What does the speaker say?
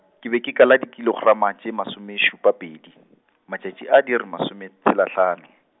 ke be ke kala dikilogramo, tše masomešupapedi, matšatši a di re masometshelahlano.